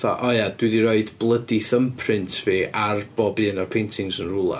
Fatha o ia dwi 'di rhoi bloody thumbprint fi ar bob un o'r paintings yn rywla.